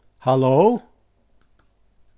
halló